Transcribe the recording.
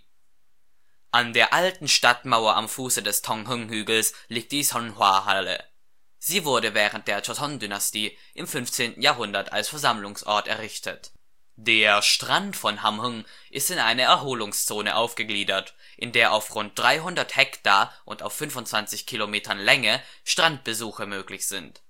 An der alten Stadtmauer am Fuße des Tonghung-Hügels liegt die Sonhwa-Halle. Sie wurde während der Joseon-Dynastie (1392 – 1910) im 15. Jahrhundert als Versammlungsort errichtet. Der Strand von Hamhŭng ist in eine Erholungszone aufgegliedert, in der auf rund 300 Hektar und auf 25 Kilometer Länge Strandbesuche möglich sind